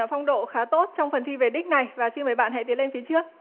phong độ khá tốt trong phần thi về đích này và xin mời bạn hãy tiến lên phía trước